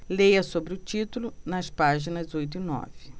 leia sobre o título nas páginas oito e nove